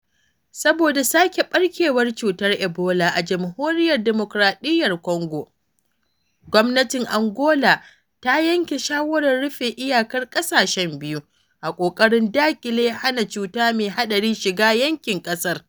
Saboda sake ɓarkewar cutar ebola a Jamhuriyar Dimokradiyyar Kwango, gwamnatin Angola ta yanke shawarar rufe iyakar ƙasashen biyu, a ƙoƙarin daƙile hana cutar mai haɗari shiga yankin ƙasar.